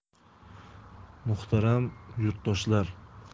muhtaram yurtdoshlar